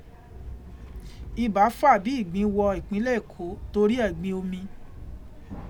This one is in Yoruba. Ibà fà bí ìgbín wọ ìpínlẹ̀ Eko torí ẹ̀gbin omi.